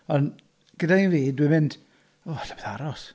ond gyda un fi dwi'n mynd "Oh, alla i'r peth aros."